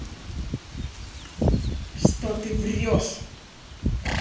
что ты врешь